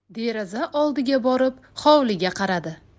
deraza oldiga borib hovliga qaradi